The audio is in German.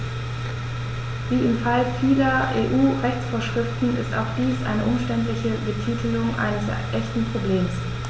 Wie im Fall vieler EU-Rechtsvorschriften ist auch dies eine umständliche Betitelung eines echten Problems.